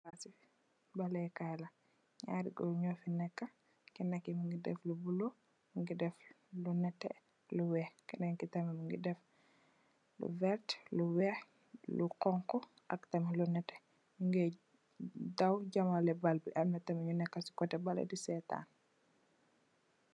Palas bi football le kai la naari goor nyu fi neka kena ki mogi def lu bulu moni deff lu netex lu weex kenen ki tamit mongi def lu vertax lu week lu xonxu ak ak tam daw jamele baal bi am tam nyu neka si kote bi di setan.